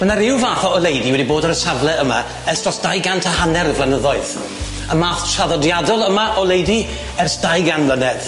Ma' 'na ryw fath o oleudy wedi bod ar y safle yma ers dros dau gant a hanner o flynyddoedd, y math traddodiadol yma oleudy ers dau gan mlynedd.